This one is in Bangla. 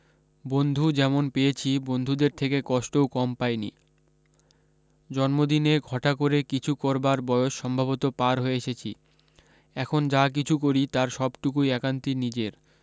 বন্ধু যেমন পেয়েছি বন্ধুদের থেকে কষ্টও কম পাইনি জন্মদিনে ঘটা করে কিছু করবার বয়স সম্ভবত পার হয়ে এসেছি এখন যা কিছু করি তার সবটুকুই একান্তি নিজের